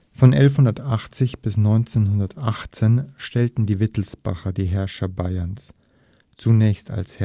Von 1180 bis 1918 stellten die Wittelsbacher die Herrscher Bayerns, zunächst als